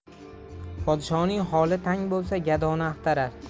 podshoning holi tang bo'lsa gadoni axtarar